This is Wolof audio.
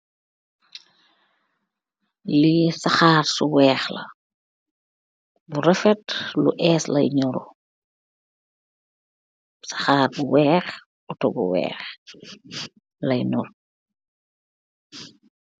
Li sahaar su waax laax bu refet bu aiss lai duruh sahaar su waax motor bu waax lai duruh